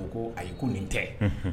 Ko ayi ko nin tɛ